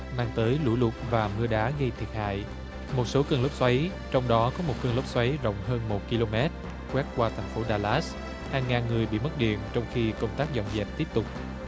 mang tới lũ lụt và mưa đá gây thiệt hại một số cơn lốc xoáy trong đó có một cơn lốc xoáy rộng hơn một ki lô mét quét qua thành phố đa lát hàng ngàn người bị mất điện trong khi công tác dọn dẹp tiếp tục